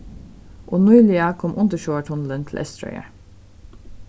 og nýliga kom undirsjóvartunnilin til eysturoyar